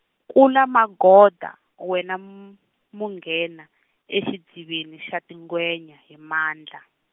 kula Magoda wena m-, Manghena exidziveni xa tingwenya hi mandla.